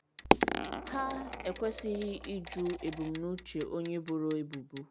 Ha ekwesịghị ịjụ ebumnuche onye boro ebubo.